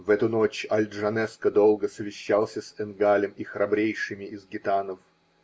В эту ночь Аль-Джанеско долго совещался с Энгалем и храбрейшими из гитанов.